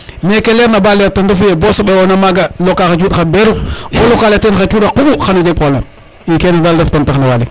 mais ke leer na ba leer te refuye bo seɓe ena maga loka xa cuuɗ xa beer bo lakele ten xa cuuɗ xa quɓu xano jeg probleme kene dalref tontax ne Waly